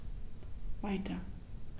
Weiter.